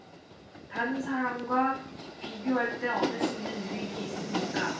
다른 사람과 비교할 때 얻을 수 있는 유익이 있습니까